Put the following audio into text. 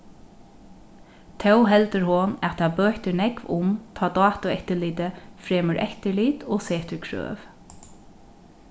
tó heldur hon at tað bøtir nógv um tá dátueftirlitið fremur eftirlit og setir krøv